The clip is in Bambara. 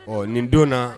Ɔ nin don na